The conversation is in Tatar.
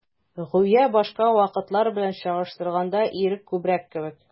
Гүя башка вакытлар белән чагыштырганда, ирек күбрәк кебек.